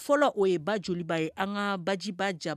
Fɔlɔ o ye ba joliba ye an ka bajiba ja